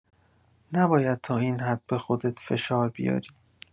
نباید تا این حد به خودت فشار بیاری.